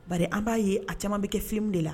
Bari an b'a ye a caman bɛ kɛ film de la